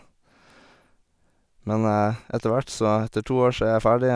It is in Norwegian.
Men etter hvert så etter to år så er jeg ferdig.